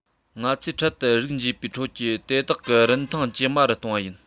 ང ཚོས འཕྲལ དུ རིགས འབྱེད པའི ཁྲོད དེ དག གི རིན ཐང ཇེ དམའ རུ གཏོང བ ཡིན